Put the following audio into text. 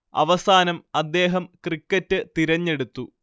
അവസാനം അദ്ദേഹം ക്രിക്കറ്റ് തിരെഞ്ഞെടുത്തു